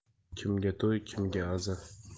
kimga to'y kimga aza